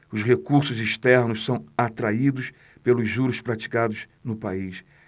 os recursos externos são atraídos pelos juros praticados no país